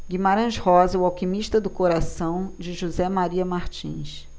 guimarães rosa o alquimista do coração de josé maria martins